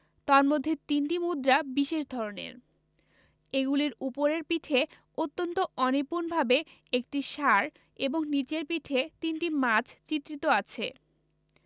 তন্মধ্যে তিনটি মুদ্রা বিশেষ ধরনের এগুলির উপরের পিঠে অত্যন্ত অনিপুণভাবে একটি ষাঁড় এবং নিচের পিঠে তিনটি মাছ চিত্রিত আছে